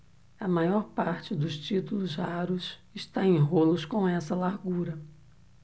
a maior parte dos títulos raros está em rolos com essa largura